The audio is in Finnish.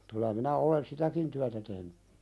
kyllä minä olen sitäkin työtä tehnyt